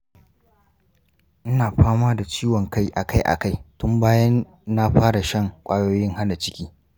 ina fama da ciwon kai akai-akai tun bayan na fara shan kwayoyin hana ciki.